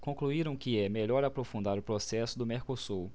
concluíram que é melhor aprofundar o processo do mercosul